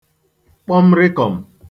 kpọm rịkọ̀m̀